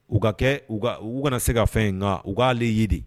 U ka kɛ u u kana se ka fɛn yen nka u k'ale ye de